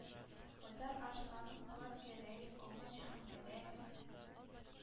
Айдар Арсланов, Булат Гәрәев, Алмаз Җиһангәрәев,